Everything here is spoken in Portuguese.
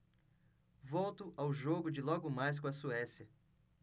volto ao jogo de logo mais com a suécia